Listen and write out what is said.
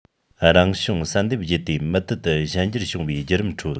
རང བྱུང བསལ འདེམས བརྒྱུད དེ མུ མཐུད དུ གཞན འགྱུར བྱུང བའི བརྒྱུད རིམ ཁྲོད